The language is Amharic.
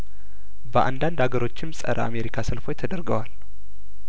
በአንዳንድ አገሮችም ጸረ አሜሪካ ሰልፎች ተደርገዋል